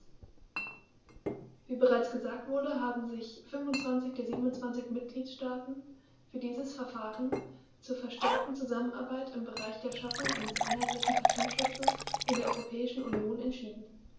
Wie bereits gesagt wurde, haben sich 25 der 27 Mitgliedstaaten für dieses Verfahren zur verstärkten Zusammenarbeit im Bereich der Schaffung eines einheitlichen Patentschutzes in der Europäischen Union entschieden.